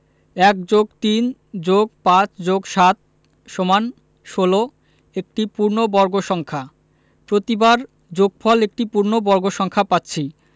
১+৩+৫+৭=১৬ একটি পূর্ণবর্গ সংখ্যা প্রতিবার যোগফল একটি পূর্ণবর্গ সংখ্যা পাচ্ছি